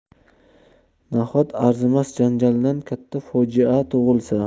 nahot arzimas janjaldan katta fojia tug'ilsa